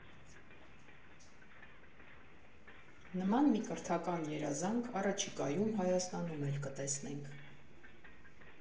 Նման մի կրթական երազանք առաջիկայում Հայաստանում էլ կտեսնենք։